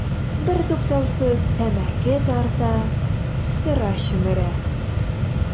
Бертуктаусыз тәмәке тарта, сыра чөмерә.